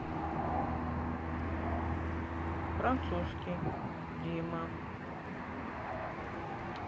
французский дима